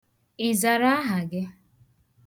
Ị zara aha gị?